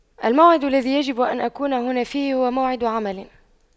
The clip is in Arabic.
الموعد الذي يجب أن أكون هنا فيه هو موعد عمل